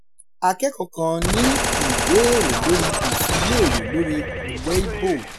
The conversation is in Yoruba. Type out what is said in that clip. Akẹ́kọ̀ọ́ kan ní ìbéèrè lórí òfin ilé-ìwé lórí Weibo: